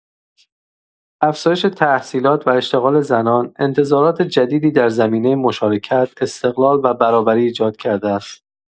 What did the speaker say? افزایش تحصیلات و اشتغال زنان، انتظارات جدیدی در زمینه مشارکت، استقلال و برابری ایجاد کرده است.